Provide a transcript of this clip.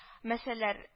Мәсәләр